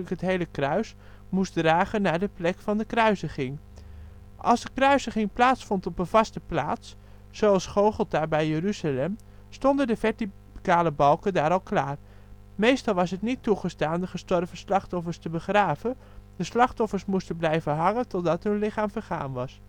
het hele kruis) moest dragen naar de plek van de kruisiging. Als de kruisiging plaatsvond op een vaste plaats (zoals Golgotha bij Jeruzalem) stonden de verticale balken daar al klaar. Meestal was het niet toegestaan de gestorven slachtoffers te begraven: de slachtoffers moesten blijven hangen totdat hun lichaam vergaan was